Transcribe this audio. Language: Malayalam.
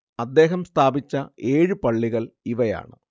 അദ്ദേഹം സ്ഥാപിച്ച ഏഴു പള്ളികൾ ഇവയാണ്